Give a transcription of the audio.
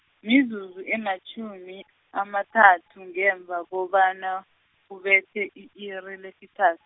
mizuzu ematjhumi, amathathu ngemva kobana, kubethe i-iri lesithath-.